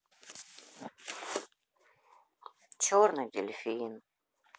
черный дельфин